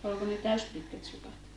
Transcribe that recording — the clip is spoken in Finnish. oliko ne täyspitkät sukat